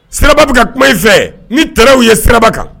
Siraba bɛ ka kuma in fɛ ni tw u ye siraba kan